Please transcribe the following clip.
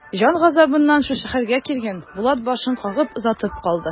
Җан газабыннан шушы хәлгә килгән Булат башын кагып озатып калды.